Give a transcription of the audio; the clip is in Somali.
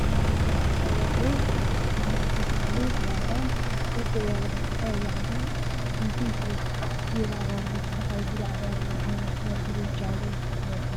Halkaan waxaa ka muuqdo solar midabkiisu waa buluug